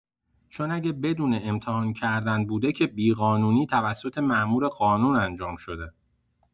چون اگه بدون امتحان کردن بوده که بی‌قانونی توسط مأمور قانون انجام شده.